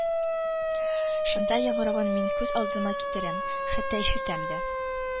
Шында яңгыравын мин күз алдыма китерәм, хәтта ишетәм дә